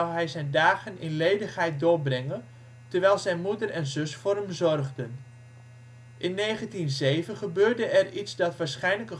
hij zijn dagen in ledigheid doorbrengen terwijl zijn moeder en zus voor hem zorgden. In 1907 gebeurde er iets dat waarschijnlijk